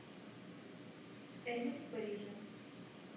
эмили в париже